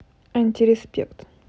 антиреспект